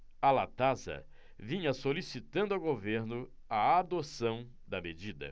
a latasa vinha solicitando ao governo a adoção da medida